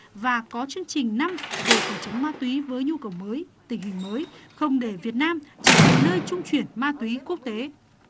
và có chương trình năm về phòng chống ma túy với nhu cầu mới tình hình mới không để việt nam trở thành nơi trung chuyển ma túy quốc tế